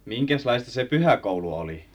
minkäslaista se pyhäkoulu oli